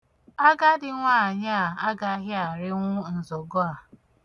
Agadi nwaanyị a agaghị erinwu nzọgo a.